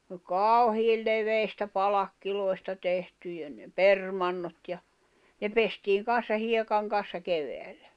ne oli kauhean leveistä palkeista tehtyjä ne permannot ja ne pestiin kanssa hiekan kanssa kevyellä